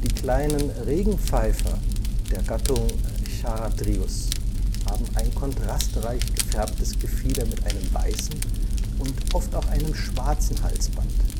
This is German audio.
kleinen Regenpfeifer der Gattung Charadrius haben ein kontrastreich gefärbtes Gefieder mit einem weißen und oft auch einem schwarzen Halsband